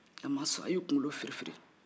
a ma sɔn a y'i kunkolo firifiri